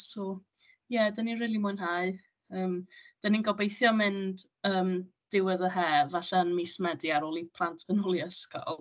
So ie, dan ni'n rili mwynhau. Yym, dan ni'n gobeithio mynd, yym, diwedd y haf falle yn mis Medi ar ôl i plant fynd nôl i ysgol.